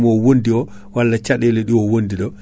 gon haalde kaldude kaadi koye adouna